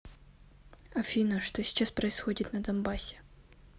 афина что сейчас происходит на донбассе